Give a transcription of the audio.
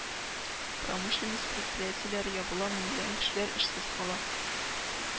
Промышленность предприятиеләре ябыла, меңләгән кешеләр эшсез кала